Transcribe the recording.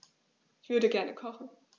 Ich würde gerne kochen.